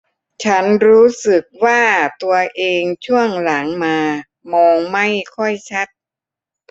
ฉันรู้สึกว่าตัวเองช่วงหลังมามองไม่ค่อยชัด